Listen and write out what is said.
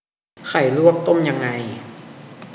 ไข่ลวกต้มยังไง